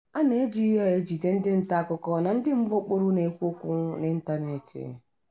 A na-eji ya ejide ndị nta akụkọ na ndị mgbaokpuru na-ekwu okwu n'ịntanetị.